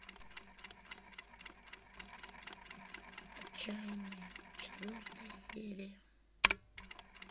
отчаянные четвертая серия